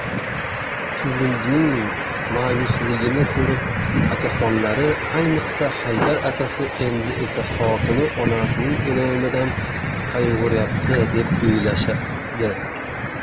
chuvrindining ma'yusligini ko'rib akaxonlari ayniqsa haydar akasi endi esa xotini onasining o'limidan qayg'uryapti deb o'ylashdi